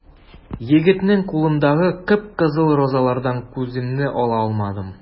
Егетнең кулындагы кып-кызыл розалардан күземне ала алмадым.